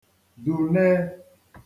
dùne